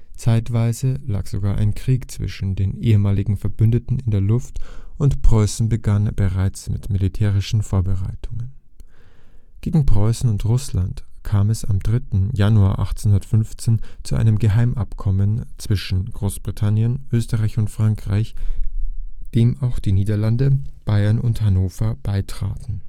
Zeitweise lag sogar ein Krieg zwischen den ehemaligen Verbündeten in der Luft, und Preußen begann bereits mit militärischen Vorbereitungen. Gegen Preußen und Russland kam es am 3. Januar 1815 zu einem Geheimabkommen zwischen Großbritannien, Österreich und Frankreich, dem auch die Niederlande, Bayern und Hannover beitraten